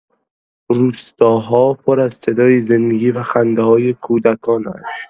روستاها پر از صدای زندگی و خنده‌های کودکان‌اند.